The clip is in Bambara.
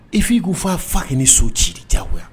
I' i k ko fa fa' ni so ci di diyagoya